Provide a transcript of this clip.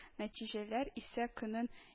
Нәтиҗәләр исә көнен